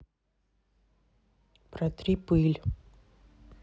протри пыль